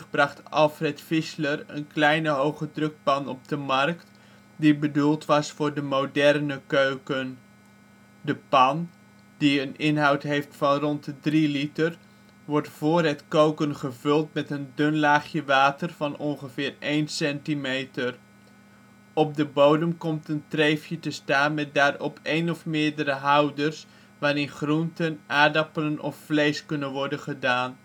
bracht Alfred Vischler een kleine hogedrukpan op de markt die bedoeld was voor de moderne keuken. De pan, die een inhoud heeft van rond de 3 liter wordt voor het koken gevuld met een dun laagje water van ongeveer 1 cm. Op de bodem komt een treefje te staan, met daarop een of meer houders waarin groenten, aardappelen of vlees kunnen worden gedaan